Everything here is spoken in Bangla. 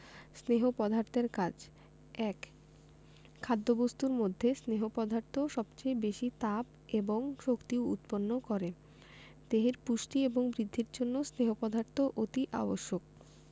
স্নেহ পদার্থের কাজ ১. খাদ্যবস্তুর মধ্যে স্নেহ পদার্থ সবচেয়ে বেশী তাপ এবং শক্তি উৎপন্ন করে দেহের পুষ্টি এবং বৃদ্ধির জন্য স্নেহ পদার্থ অতি আবশ্যক